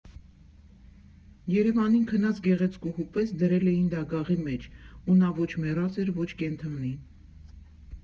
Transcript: Երևանին քնած գեղեցկուհու պես դրել էին դագաղի մեջ, ու նա ոչ մեռած էր, ոչ կենդանի։